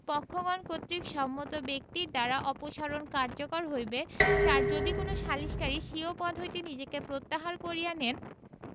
পক্ষগণ কর্তৃক সম্মত ব্যক্তির দ্বারা অপসারণ কার্যকর হইবে ৪ যদি কোন সালিসকারী স্বীয় পদ হইতে নিজেকে প্রত্যাহার করিয়া নেন